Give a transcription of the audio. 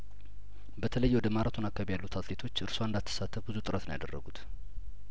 በተለይወደ ማራቶን አካባቢ ያሉት አትሌቶች እርሷ እንዳት ሳተፍ ብዙ ጥረት ነው ያደረጉት